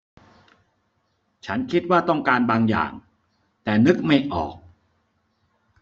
ฉันคิดว่าต้องการบางอย่างแต่นึกไม่ออก